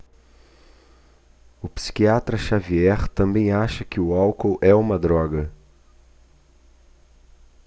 o psiquiatra dartiu xavier também acha que o álcool é uma droga